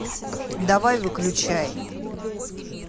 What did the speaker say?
давай выключай